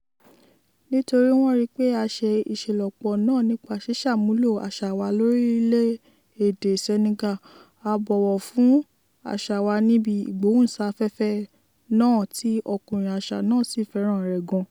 Nítorí wọ́n ríi pé a ṣe ìṣelọ́pọ̀ náà nípa sísàmúlò àṣà wa lórílẹ̀ èdè Senegal...a bọ̀wọ̀ fún àṣà wa níbi ìgbóhùnsáfẹ́fẹ́ náà tí "ọkùnrin àṣà" náà sì fẹ́ràn rẹ̀ gan-an.